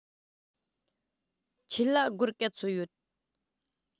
ཁྱེད ལ སྒོར ག ཚོད ཡོད